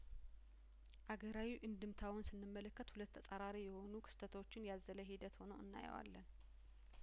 አገራዊ አንድምታውን ስንመለከት ሁለት ተጻራሪ የሆኑ ክስተቶችን ያዘ ለሂደት ሆኖ እናየዋለን